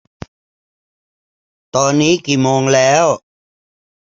ตอนนี้กี่โมงแล้ว